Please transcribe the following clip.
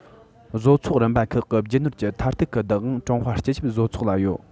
བཟོ ཚོགས རིམ པ ཁག གི རྒྱུ ནོར གྱི མཐར ཐུག གི བདག དབང ཀྲུང ཧྭ སྤྱི ཁྱབ བཟོ ཚོགས ལ ཡོད